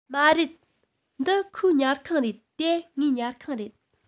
མ རེད འདི ཁོའི ཉལ ཁང རེད དེ ངའི ཉལ ཁང རེད